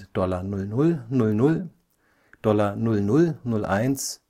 $ 0000, $ 0001